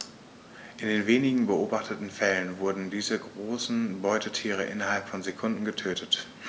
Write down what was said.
In den wenigen beobachteten Fällen wurden diese großen Beutetiere innerhalb von Sekunden getötet.